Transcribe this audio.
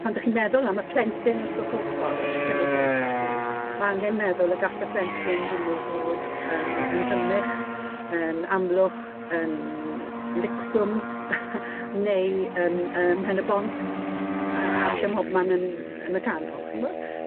Pan 'dych chi'n meddwl am y plentyn wrth 'ych ochor, 'ych cynulleidfa chi ma' angen meddwl y gall y plentyn hwnnw fod yn yng Nghrymych yn Amlwch, yn Licswm neu yn ym Mhen y Bont a ac ym mhobman yn yn y canol, chi'n gwbod?